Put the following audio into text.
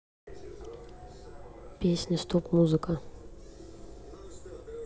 песня стоп музыка